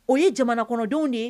O ye jamana kɔnɔndenw de ye